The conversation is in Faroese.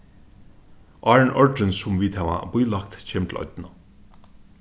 áðrenn ordrin sum vit hava bílagt kemur til oynna